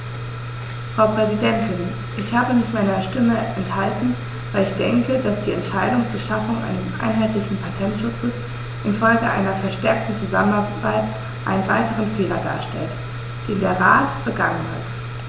Frau Präsidentin, ich habe mich meiner Stimme enthalten, weil ich denke, dass die Entscheidung zur Schaffung eines einheitlichen Patentschutzes in Folge einer verstärkten Zusammenarbeit einen weiteren Fehler darstellt, den der Rat begangen hat.